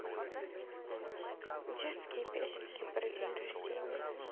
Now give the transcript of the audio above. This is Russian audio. детские песенки про день рождения